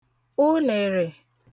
unèrè